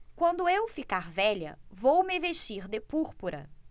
quando eu ficar velha vou me vestir de púrpura